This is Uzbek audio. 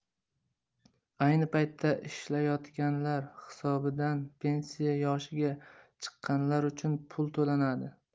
ayni paytda ishlayotganlar hisobidan pensiya yoshiga chiqqanlar uchun pul to'lanadi